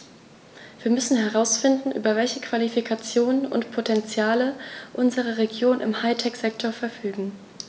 Wir müssen herausfinden, über welche Qualifikationen und Potentiale unsere Regionen im High-Tech-Sektor verfügen.